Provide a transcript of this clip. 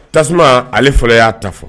Tasuma ale fɔlɔ y'a ta fɔ